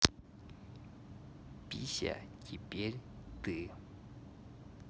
пися теперь ты